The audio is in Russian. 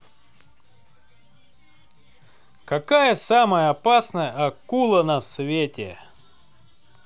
какая самая опасная акула на свете